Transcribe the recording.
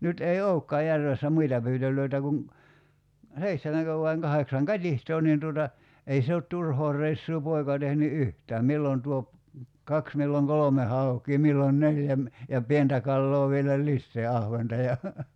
nyt ei olekaan järvessä muita pyytöjä kuin seitsemänkö vai kahdeksan katiskaa niin tuota ei se ole turhaa reissua poika tehnyt yhtään milloin tuo kaksi milloin kolme haukea milloin neljä - ja pientä kalaa vielä lisää ahventa ja